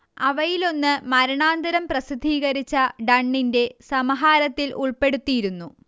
അവയിലൊന്ന് മരണാന്തരം പ്രസിദ്ധീകരിച്ച ഡണ്ണിന്റെ സമഹാരത്തിൽ ഉൾപ്പെടുത്തിയിരുന്നു